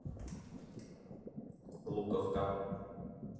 луковка